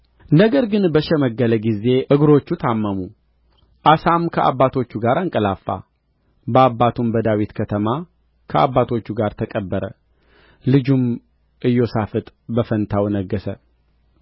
ነገር ግን በሸመገለ ጊዜ እግሮቹ ታመሙ አሳም ከአባቶቹ ጋር አንቀላፋ በአባቱም በዳዊት ከተማ ከአባቶቹ ጋር ተቀበረ ልጁም ኢዮሣፍጥ በፋንታው ነገሠ